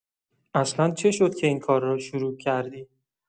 اصلا چه شد که این کار را شروع کردی؟